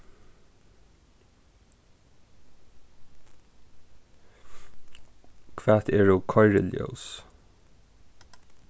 hvat eru koyriljós